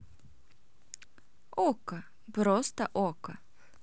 okko просто okko